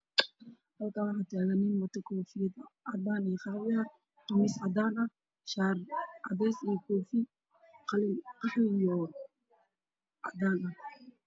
Halkan wax taagan nin wata koofi qamiis shaatti